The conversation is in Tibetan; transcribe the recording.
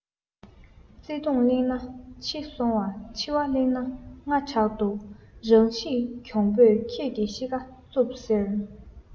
བརྩེ དུང གླེང ན འཕྱི སོང བ འཆི བ གླེང ན སྔ དྲགས འདུག རང གཤིས གྱོང པོས ཁྱེད ཀྱི གཤིས ཀ རྩུབ ཟེར